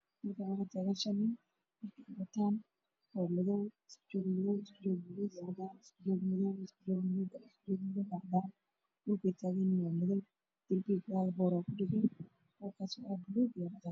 Meshaan waxaa taagan niman wata dhar madow iyo cadaan ah